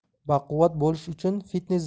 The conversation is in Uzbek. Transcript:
baquvvat bo'lish uchun fitness